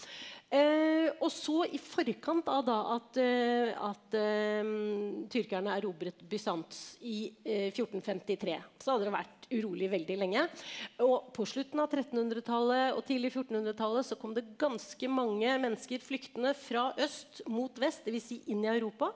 og så i forkant av da at at tyrkerne erobret Bysants i 1453 så hadde det vært urolig veldig lenge og på slutten av trettenhundretallet og tidlig fjortenhundretallet så kom det ganske mange mennesker flyktende fra øst mot vest dvs. inn i Europa.